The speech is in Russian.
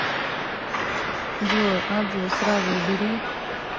джой а джой сразу убери